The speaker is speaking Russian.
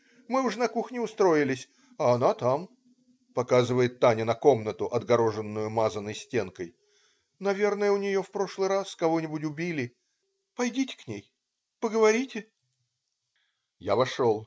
Мы уж на кухне устроились, а она там,- показывает Таня на комнату, отгороженную мазанной стенкой,- наверное, у нее прошлый раз кого-нибудь убили. Пойдите к ней, поговорите". Я вошел.